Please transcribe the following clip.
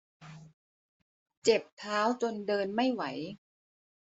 เจ็บเท้าจนเดินไม่ไหว